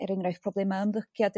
er enghraifft problema' ymddygiad